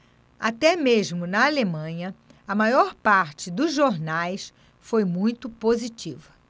até mesmo na alemanha a maior parte dos jornais foi muito positiva